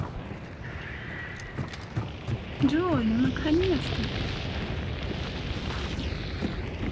джой ну наконец то